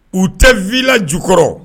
U tɛ vila jukɔrɔ